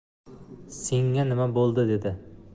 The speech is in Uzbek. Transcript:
senga nima buldi dedi